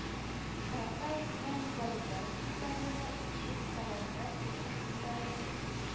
Карата әйтелгән гайбәт сүзләрен дә ишеткәләргә туры килгәләде